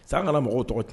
ça an kana mɔgɔw tɔgɔ tiɲɛn.